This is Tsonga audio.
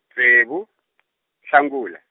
ntsevu, Nhlangula.